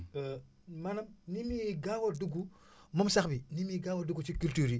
maanaam ni muy gaaw a dugg moom sax mi ni muy gaaw a dugg ci culture yi